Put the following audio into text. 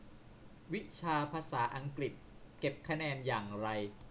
วิชาภาษาอังกฤษเก็บคะแนนอย่างไร